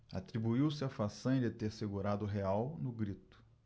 atribuiu-se a façanha de ter segurado o real no grito